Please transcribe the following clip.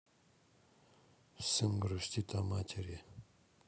сын грустит о матери